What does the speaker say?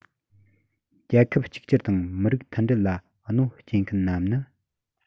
རྒྱལ ཁབ གཅིག གྱུར དང མི རིགས མཐུན སྒྲིལ ལ གནོད སྐྱེལ མཁན རྣམས ནི